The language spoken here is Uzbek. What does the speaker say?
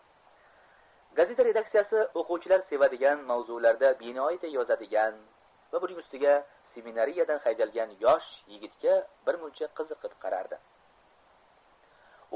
gazeta redaktsiyasi o'quvchilar sevadigan mavzularda binoyiday yozadigan va buning ustiga seminariyadan haydalgan yosh yigitga birmuncha qiziqib qarardi